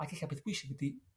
Ac e'lla' beth bwysig 'di